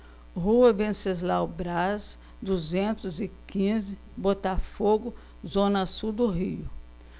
rua venceslau braz duzentos e quinze botafogo zona sul do rio